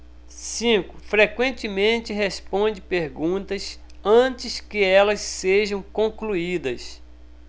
cinco frequentemente responde perguntas antes que elas sejam concluídas